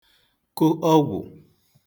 kụ ọgwụ̀